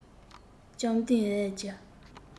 བཅོམ ལྡན འས ཀྱིས